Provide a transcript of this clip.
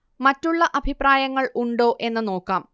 മറ്റുള്ള അഭിപ്രായങ്ങൾ ഉണ്ടോ എന്ന് നോക്കാം